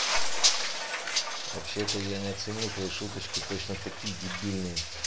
вообще то я не оценил твои шуточки точно такие дебильные